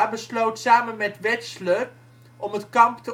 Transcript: besloot samen met Wetzler om het kamp